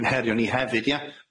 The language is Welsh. cynherion ni hefyd ia?